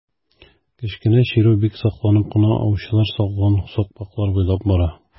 Кечкенә чирү бик сакланып кына аучылар салган сукмаклар буйлап бара.